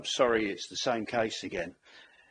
Yym sorry it's the same case again.